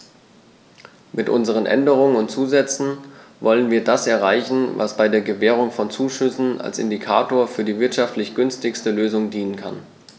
Mit unseren Änderungen und Zusätzen wollen wir das erreichen, was bei der Gewährung von Zuschüssen als Indikator für die wirtschaftlich günstigste Lösung dienen kann.